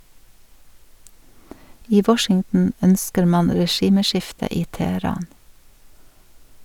I Washington ønsker man regimeskifte i Teheran.